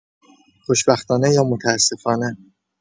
خوشبختانه یا متاسفانه؟